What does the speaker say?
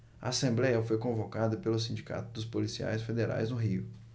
a assembléia foi convocada pelo sindicato dos policiais federais no rio